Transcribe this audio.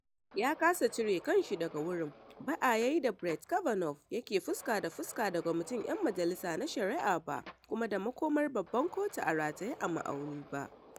Ya kasa cire kanshi daga wurin, ba a yayi da Brett Kavanaugh yake fuska da fuska da Kwamitin ‘Yan Majalisa na shari’a ba kuma da makomar Babban Kotu a rataye a ma’auni ba.